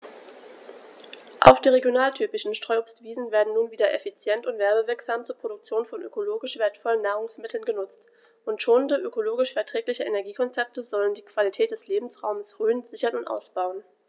Auch die regionaltypischen Streuobstwiesen werden nun wieder effizient und werbewirksam zur Produktion von ökologisch wertvollen Nahrungsmitteln genutzt, und schonende, ökologisch verträgliche Energiekonzepte sollen die Qualität des Lebensraumes Rhön sichern und ausbauen.